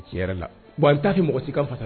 Tiɲɛ yɛrɛ la wa n t'a fɛ mɔgɔ si kan fasa!